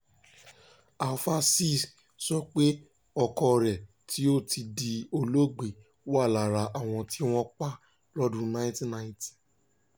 Alpha Sy sọ pé ọkọ rẹ̀ tí ó ti di olóògbé wà lára àwọn tí wọ́n pa lọ́dún 1990.